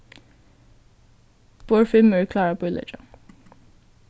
borð fimm eru klár at bíleggja